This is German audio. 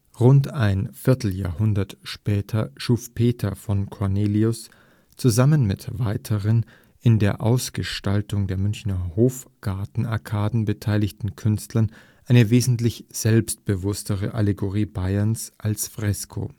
Rund ein Vierteljahrhundert später schuf Peter von Cornelius zusammen mit weiteren an der Ausgestaltung der Münchner Hofgartenarkaden beteiligten Künstlern eine wesentlich selbstbewusstere Allegorie Bayerns als Fresko